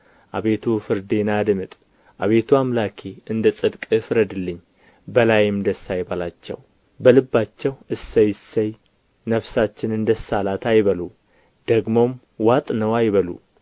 አቤቱ ፍርዴን አድምጥ አቤቱ አምላኬ እንደ ጽድቅህ ፍረድልኝ በላዬም ደስ አይበላቸው በልባቸው እሰይ እሰይ ነፍሳችንን ደስ አላት አይበሉ ደግሞም ዋጥነው አይበሉ